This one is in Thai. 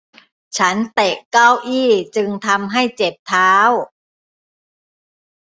ฉันเตะเก้าอี้จึงทำให้เจ็บเท้า